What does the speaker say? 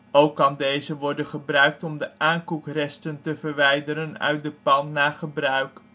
Ook kan deze worden gebruikt om de " aankoek-resten " te verwijderen uit de pan na gebruik